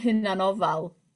hunanofal